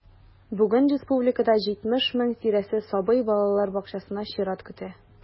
Бүген республикада 70 мең тирәсе сабый балалар бакчасына чират көтә.